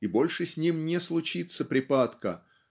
и больше с ним не случится припадка